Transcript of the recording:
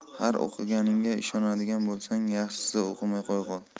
har o'qiganingga ishonadigan bo'lsang yaxshisi o'qimay qo'ya qol